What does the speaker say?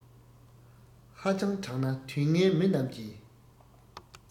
ཧ ཅང དྲང ན དུས ངན མི རྣམས ཀྱིས